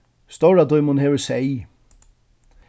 stóra dímun hevur seyð